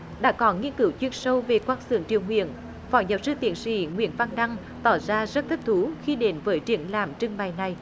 đã có nghiên cứu chuyên sâu về quan xưởng triều nguyễn phó giáo sư tiến sỹ nguyễn văn đăng tỏ ra rất thích thú khi đến với triển lãm trưng bày này